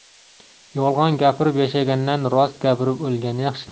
yolg'on gapirib yashagandan rost gapirib o'lgan yaxshi